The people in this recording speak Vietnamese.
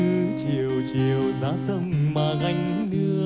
cứ chiều chiều ra sông mà